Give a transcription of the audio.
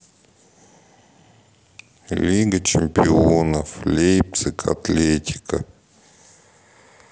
лига чемпионов лейпциг атлетико